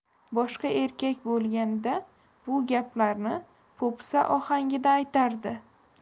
boshqa erkak bo'lganida bu gaplarni po'pisa ohangida aytardi